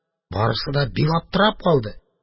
Барысы да бик аптырап калды.